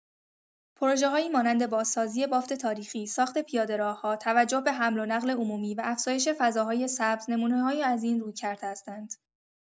پروژه‌هایی مانند بازسازی بافت تاریخی، ساخت پیاده‌راه‌ها، توجه به حمل و نقل عمومی و افزایش فضاهای سبز نمونه‌هایی از این رویکرد هستند.